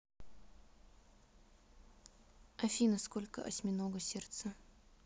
афина сколько осьминого сердце